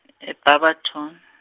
e- Barberton.